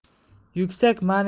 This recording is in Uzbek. yuksak ma